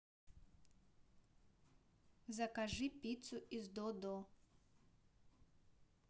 закажи пиццу из додо